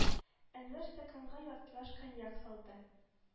Әнвәр стаканга яртылаш коньяк салды